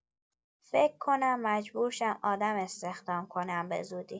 فک کنم مجبور شم آدم استخدام کنم به‌زودی